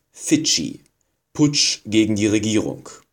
Fidschi: Putsch gegen die Regierung